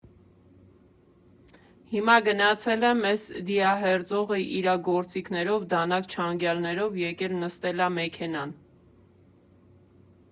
Հիմա գնացել եմ, էս դիահերձողը իրա գործիքներով՝ դանակ֊չանգալներով եկել նստել ա մեքենան։